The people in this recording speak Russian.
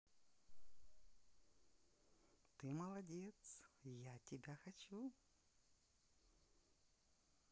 ты молодец я тебя хочу